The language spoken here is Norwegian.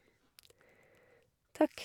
Takk.